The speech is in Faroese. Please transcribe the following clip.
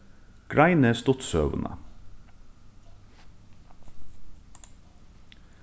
greinið stuttsøguna